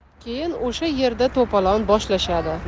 keyin o'sha yerda to'polon boshlashadi